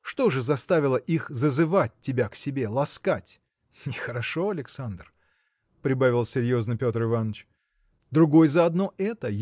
что же заставило их зазывать тебя к себе, ласкать?. Нехорошо, Александр!. – прибавил серьезно Петр Иваныч. – Другой за одно это